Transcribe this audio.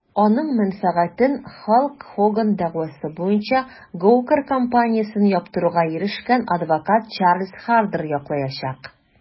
Аның мәнфәгатен Халк Хоган дәгъвасы буенча Gawker компаниясен яптыруга ирешкән адвокат Чарльз Хардер яклаячак.